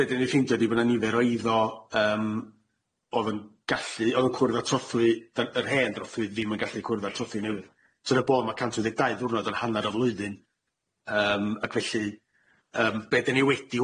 Be' dyn ni ffeindio ydi bo' na nifer o eiddo yym o'dd yn gallu o'dd yn cwrdd â trothwy dyn- yr hen trothwy ddim yn gallu cwrdd â'r trothwy newydd sy'n y bon ma' cant wyth deg dau ddiwrnod yn hannar o flwyddyn yym ac felly yym be' dyn ni wedi